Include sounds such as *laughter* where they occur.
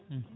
*hesitation* *hesitation*